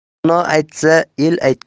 dono aytsa el aytgani